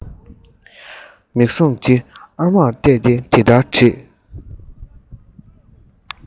མིག ཟུང དེ ཨ མར གཏད དེ དེ ལྟར དྲིས